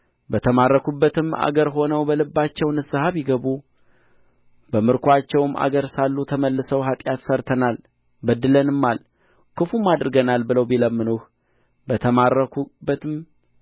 በተማረኩበትም አገር ሆነው በልባቸው ንስሐ ቢገቡ በምርኮአቸውም አገር ሳሉ ተመልሰው ኃጢአት ሠርተናል በድለንማል ክፉም አድርገናል ብለው ቢለምኑህ በተማረኩበትም